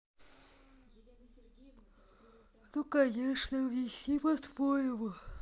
ну конечно внести по своему